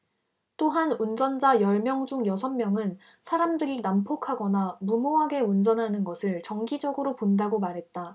또한 운전자 열 명 중 여섯 명은 사람들이 난폭하거나 무모하게 운전하는 것을 정기적으로 본다고 말했다